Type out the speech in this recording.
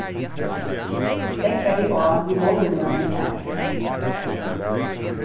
steðgaði eg á við málningarnir har